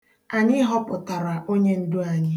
Anyị họpụtara onyendu anyị.